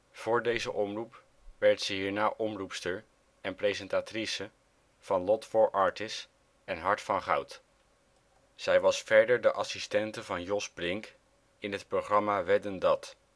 Voor deze omroep werd ze hierna omroepster en presentatrice van Lot voor Artis en Hart van Goud. Zij was verder de assistente van Jos Brink in het programma Wedden, dat